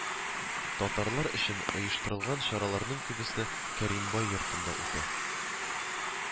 Татарлар өчен оештырылган чараларның күбесе Кәримбай йортында үтә